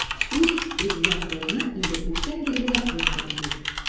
Үз Президентыбызны инде күптән билгеләп куйган идек.